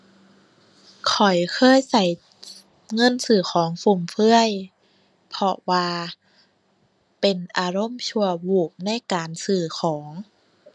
ข้อยเคยใช้ เงินซื้อของฟุ่มเฟือย เพราะว่าเป็นอารมณ์ชั่ววูบในการซื้อของ